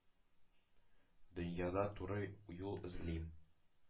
— дөньяда туры юл эзлим,